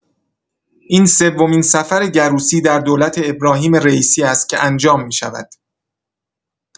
این‌سومین سفر گروسی در دولت ابراهیم رییسی است که انجام می‌شود.